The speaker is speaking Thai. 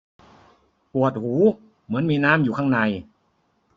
ปวดหูเหมือนมีน้ำอยู่ข้างใน